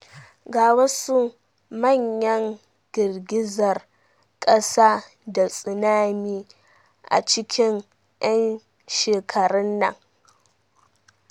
Ga wasu manyan girgizar ƙasa da tsunami a cikin 'yan shekarun nan: